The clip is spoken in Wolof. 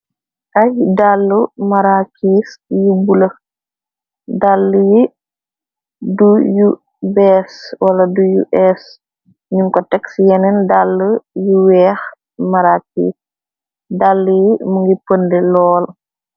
Ay dàll marakis yi bulo, dàll yi du yu bees wala du yu es ñuñ ko teg ci yeneen dàll yu weeh marakis dàll yi mu ngi pënde lool.